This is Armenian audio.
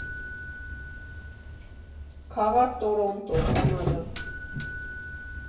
Քաղաք՝ Տորոնտո, Կանադա։